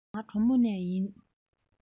ང གྲོ མོ ནས ཡིན